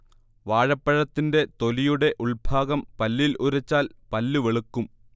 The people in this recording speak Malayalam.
വാഴപ്പഴത്തിന്റെ തൊലിയുടെ ഉൾഭാഗം പല്ലിൽ ഉരച്ചാൽ പല്ല് വെളുക്കും